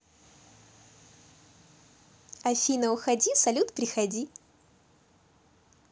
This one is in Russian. афина уходи салют приходи